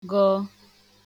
gọọ